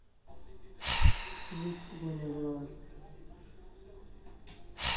vip буйная голова